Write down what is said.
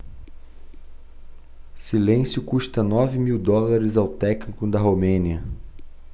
silêncio custa nove mil dólares ao técnico da romênia